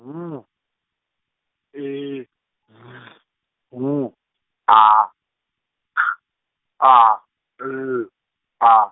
W, E, Z, W, A, K, A, L, A.